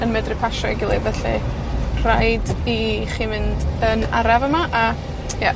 yn medru pasio ei gilydd. Felly, raid i chi mynd yn araf yma, a, ie.